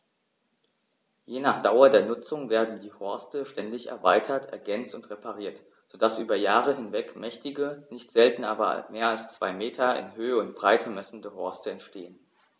Je nach Dauer der Nutzung werden die Horste ständig erweitert, ergänzt und repariert, so dass über Jahre hinweg mächtige, nicht selten mehr als zwei Meter in Höhe und Breite messende Horste entstehen.